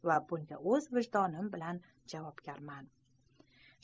va bunga o'z vijdonim bilan javobgarman